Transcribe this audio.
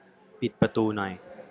ปิดประตูหน่อย